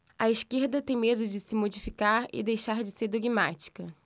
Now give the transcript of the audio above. a esquerda tem medo de se modificar e deixar de ser dogmática